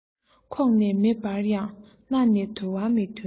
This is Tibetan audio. ཁོག ནས མེ འབར ཡང སྣ ནས དུ བ མི ཐོན